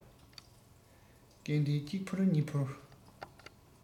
སྐད འཕྲིན གཅིག ཕུར གཉིས ཕུར